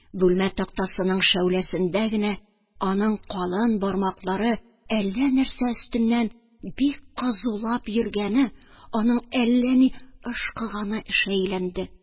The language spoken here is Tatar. Бүлмә тактасының шәүләсендә генә аның калын бармаклары әллә нәрсә өстеннән бик кызулап йөргәне, аның әллә ни ышкыганы шәйләнде